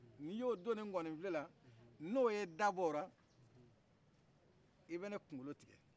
n'iy'o don ne ngɔɔnifile la n'o ye da bɔ o la i bɛ ne kungolo tigɛ